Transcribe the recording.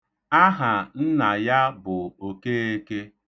Aha nna ya bụ Okeeke.